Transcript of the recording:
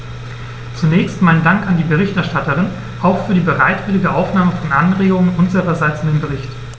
Zunächst meinen Dank an die Berichterstatterin, auch für die bereitwillige Aufnahme von Anregungen unsererseits in den Bericht.